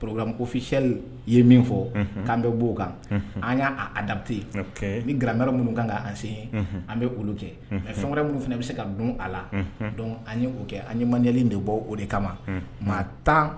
Ko fiyɛnli ye min fɔ k'an bɛ'o kan an y' date yen ni g minnu kan' an sen an bɛ olu kɛ mɛ fɛn wɛrɛ minnu fana a bɛ se ka don a la dɔn an' kɛ an ɲɛ man ɲɛli de bɔ o de kama maa tan